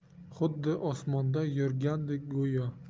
xuddi osmonda yurgandek go'yo